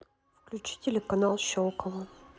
включи телеканал щелково